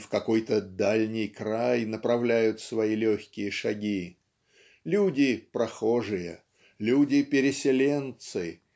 ив какой-то "дальний край" направляют свои легкие шаги. Люди - прохожие люди - переселенцы